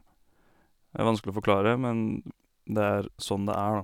Det er vanskelig å forklare, men det er sånn det er da.